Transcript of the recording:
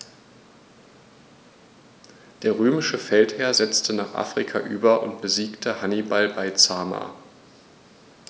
Der römische Feldherr setzte nach Afrika über und besiegte Hannibal bei Zama.